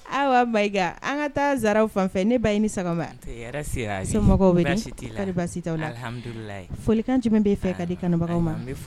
Awa Mayiga, an ka Zarawu fan fɛ ne ba i ni sɔgɔma, nse hɛrɛ sira, somɔgɔw bɛ di, kɔri baasi tɛ i la, alihamudu lilayi, folikan jumɛn bɛ fɛ ka di kanubagaw ma